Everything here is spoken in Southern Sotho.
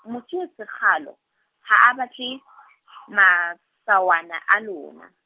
mosuwe sekgalo ha a batle masawana a lona.